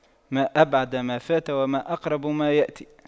ما أبعد ما فات وما أقرب ما يأتي